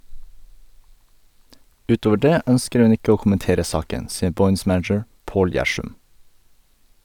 Utover det ønsker hun ikke å kommentere saken, sier Boines manager Pål Gjersum.